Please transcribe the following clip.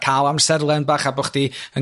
ca'l amserlen bach a bo' chdi yn